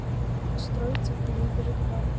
устроиться в delivery club